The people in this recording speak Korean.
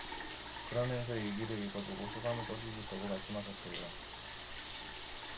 그러면서 일기를 읽어 보고 소감을 써 주시겠다고 말씀하셨어요